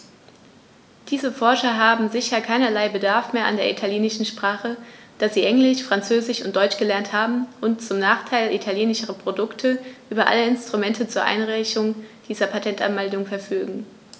Diese Forscher haben sicher keinerlei Bedarf mehr an der italienischen Sprache, da sie Englisch, Französisch und Deutsch gelernt haben und, zum Nachteil italienischer Produkte, über alle Instrumente zur Einreichung dieser Patentanmeldungen verfügen.